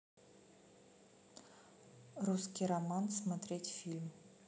русский роман смотреть фильм